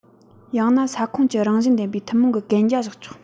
ཡང ན ས ཁོངས ཀྱི རང བཞིན ལྡན པའི ཐུན མོང གི གན རྒྱ བཞག ཆོག